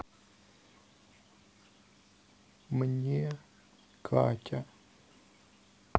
мне катя